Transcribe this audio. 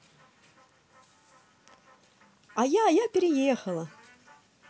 а я я переехала